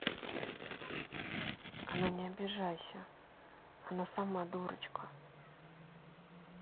она не обижайся она сама дурочка